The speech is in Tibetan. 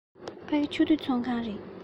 ཕ གི ཕྱོགས བསྡུས ཚོགས ཁང རེད